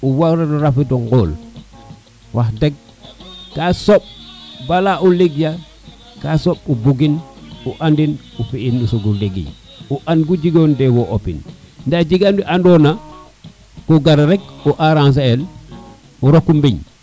o ware o rafid o ŋool wax deg ka soɓ bala o ligeyan ka soɓ o bugin o andin o fi in o sogo ligey o an u jegona teen wo opin nda jegan we ando na ko gara rek o enranger el o roqo mbiñ